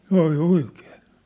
se oli oikein